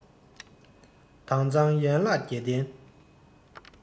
དྭངས གཙང ཡན ལག བརྒྱད ལྡན